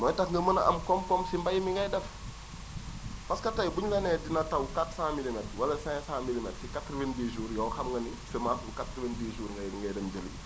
mooy tax nga mën a am koom-koom si mbay mi ngay def parce que tey bu ñu la nee dina taw 400 milimètres wala 500 milimètres si 90 jours yow xam nga ni semence bu 90 jours ngay ngay dem jëndi